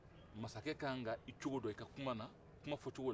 masakɛ ka kan ka i cogo dɔn i ka kuman na kuman fo cogo la